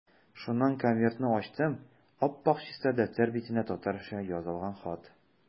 Шуннан конвертны ачтым, ап-ак чиста дәфтәр битенә татарча язылган хат.